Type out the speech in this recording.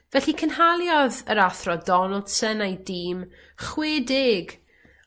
Felly cynhaliodd yr athro Donaldson a'i dîm chwedeg